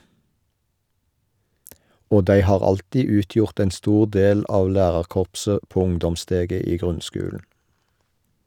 Og dei har alltid utgjort ein stor del av lærarkorpset på ungdomssteget i grunnskulen.